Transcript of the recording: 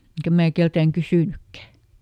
enkä minä keneltäkään kysynytkään